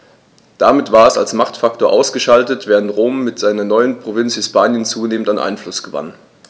Damit war es als Machtfaktor ausgeschaltet, während Rom mit seiner neuen Provinz Hispanien zunehmend an Einfluss gewann.